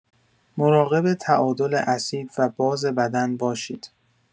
مراقب تعادل اسید و باز بدن باشید.